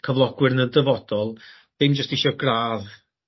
cyflogwyr yn y dyfodol ddim jyst isio gradd